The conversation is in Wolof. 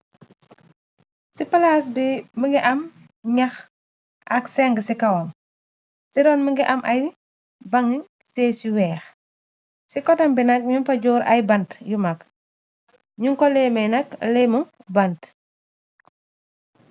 Ci palaac bi mungi am nëh ak sèng ci kawam. Ci ron mungi am ay bang sès yu weeh. Ci kotèm bi nak nung fa jorr ay bant yu mag nung ko lemè nak lèmu bant.